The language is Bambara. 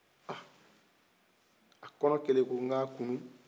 ah a kɔrɔ kɛra e ko n ka kunu